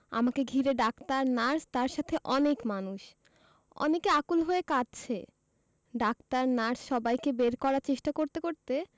আমাকে ঘিরে doctor nurse তার সাথে অনেক মানুষ অনেকে আকুল হয়ে কাঁদছে ডাক্তার নার্স সবাইকে বের করার চেষ্টা করতে করতে